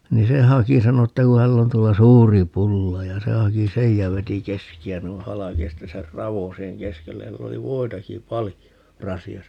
niin se haki sanoi että kun hänellä on tuolla suuri pulla ja se haki sen ja veti keskeä noin halki ja sitten sen raon siihen keskelle ja sillä oli voitakin paljon rasiassa